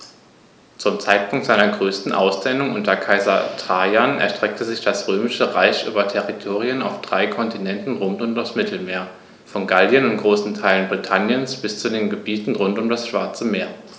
Zum Zeitpunkt seiner größten Ausdehnung unter Kaiser Trajan erstreckte sich das Römische Reich über Territorien auf drei Kontinenten rund um das Mittelmeer: Von Gallien und großen Teilen Britanniens bis zu den Gebieten rund um das Schwarze Meer.